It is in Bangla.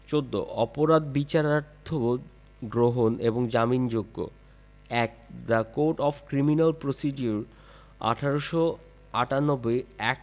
১৪ অপরাধ বিচারার্থ গ্রহণ এবং জামিনযোগ্যঃ ১ the Code of Criminal Procedure ১৮৯৮ act